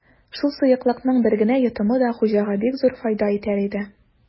Шул сыеклыкның бер генә йотымы да хуҗага бик зур файда итәр иде.